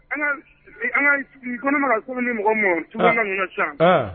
An ka kɔnɔma ka so ni mɔgɔ mɔgɔ tu an ka nana ca